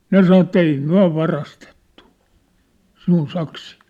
ne sanoi että ei me varastettu sinun saksia